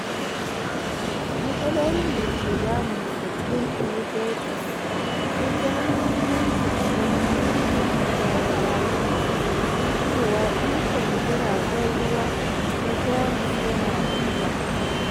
Matsalolin da ke damun sabbin frigates sun zama mahimmanci a fagen gargadi na baya-bayan nan cewa ikon jiragen ruwa na Jamus yana raguwa.